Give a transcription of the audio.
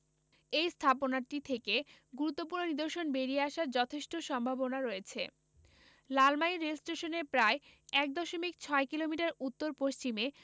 এই স্থাপনাটি থেকে গুরুত্বপূর্ণ নিদর্শন বেরিয়ে আসার যথেষ্ট সম্ভাবনা রয়েছে লালমাই রেলস্টেশনের প্রায় ১ দশমিক ৬ কিলোমিটার উত্তর পশ্চিমে